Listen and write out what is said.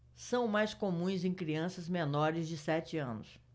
são mais comuns em crianças menores de sete anos